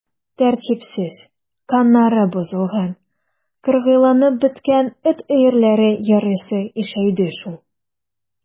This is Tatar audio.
Тәртипсез, каннары бозылган, кыргыйланып беткән эт өерләре ярыйсы ишәйде шул.